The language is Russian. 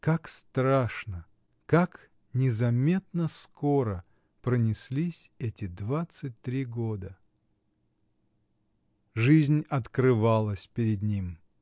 как страшно, как незаметно скоро пронеслись эти двадцать три года!. Жизнь открывалась перед ним.